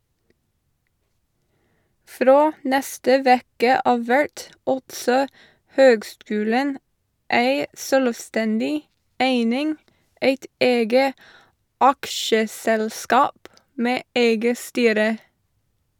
Frå neste veke av vert altså høgskulen ei sjølvstendig eining, eit eige aksjeselskap med eige styre.